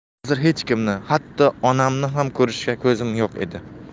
hozir hech kimni hatto onamni ham ko'rishga ko'zim yo'q edi